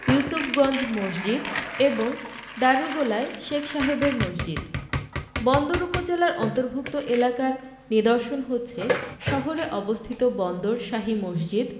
ইউসুফগঞ্জ মসজিদ এবং দারুগোলায় শেখ সাহেবের মসজিদ বন্দর উপজেলার অন্তর্ভুক্ত এলাকার নিদর্শন হচ্ছে সদরে অবস্থিত বন্দর শাহী মসজিদ